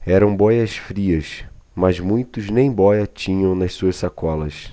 eram bóias-frias mas muitos nem bóia tinham nas suas sacolas